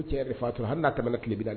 Cɛ fatura hali n' tɛmɛ tilebbi la